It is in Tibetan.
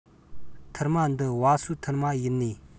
ཐུར མ འདི བ སོའི ཐུར མ ཡིན ནིས